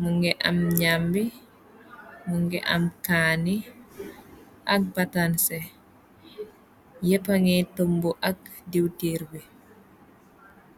mu ngi am nyambi, mu ngi am kanni ak batanse yeppa ngi tëmb ak diiwtiir bi.